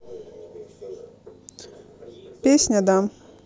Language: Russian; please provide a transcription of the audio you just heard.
песня дам